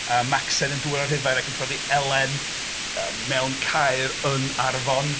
A Macsen yn dŵad o Rhufain ac yn priodi Elen mewn Caer yn Arfon.